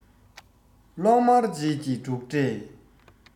གློག དམར རྗེས ཀྱི འབྲུག སྒྲས